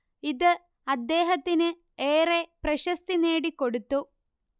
ഇത് അദ്ദേഹത്തിന് ഏറെ പ്രശസ്തി നേടിക്കൊടുത്തു